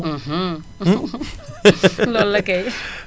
loolu la kay